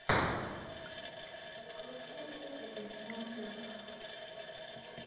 включи винтик и шпунтик